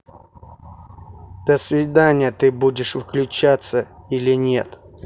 до свидания ты будешь выключаться или нет